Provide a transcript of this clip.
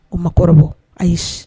O ma kɔrɔbɔ ayi